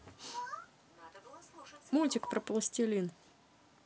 мультик про пластелин